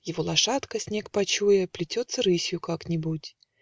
Его лошадка, снег почуя, Плетется рысью как-нибудь